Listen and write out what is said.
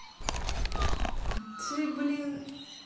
ты блин